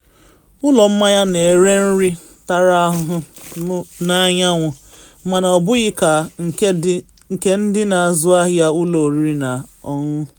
Ụlọ mmanya na ere nri tara ahụhụ n’anyanwụ, mana ọbụghị ka nke ndị na azụ ahịa ụlọ oriri na ọṅụṅụ.